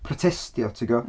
Protestio tibod?